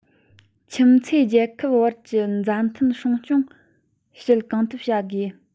ཁྱིམ མ མཚེས རྒྱལ ཁབ བར གྱི མཛའ མཐུན སྲུང སྐྱོང བྱེད གང ཐུབ བྱ དགོས